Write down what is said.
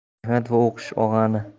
mehnat va o'qish og'a ini